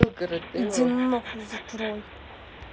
иди нахуй закрой